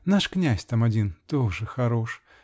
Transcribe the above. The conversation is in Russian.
Наш князь там один -- тоже хорош.